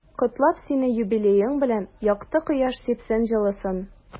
Котлап сине юбилеең белән, якты кояш сипсен җылысын.